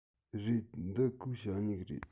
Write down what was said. རེད འདི ཁོའི ཞ སྨྱུག རེད